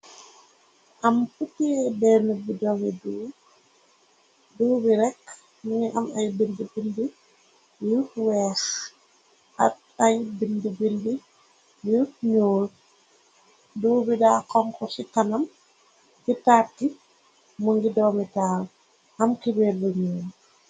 Am putiay benn bidoni duubi rekk mungi am ay bindi bindi yu weex ak ay bindi bindi yu ñyuul duubi da xonku ci kanam ci tarti mu ngi doomitaal am kibeer bu ñyuul.